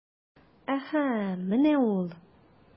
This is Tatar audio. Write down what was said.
Әһә, менә ул...